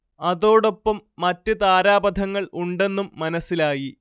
അതോടൊപ്പം മറ്റ് താരാപഥങ്ങൾ ഉണ്ടെന്നും മനസ്സിലായി